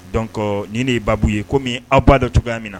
Donc ni ne ye baa b'u ye ko min aw b'a dɔn cogoyaya min na